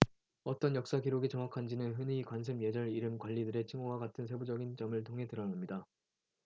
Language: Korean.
어떤 역사 기록이 정확한지는 흔히 관습 예절 이름 관리들의 칭호와 같은 세부적인 점을 통해 드러납니다